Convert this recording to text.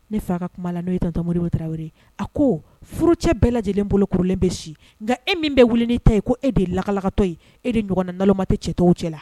Ne fa ka kuma n'o e tatom tarawele a ko furu cɛ bɛɛ lajɛlen bolo kululen bɛ si nka e min bɛ wuli ta ye ko e de ye lakalakatɔ ye e de ɲɔgɔn na nama tɛ cɛ tɔw cɛla la